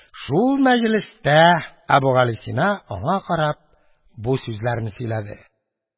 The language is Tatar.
Шул мәҗлестә Әбүгалисина, аңа карап, бу сүзләрне сөйләде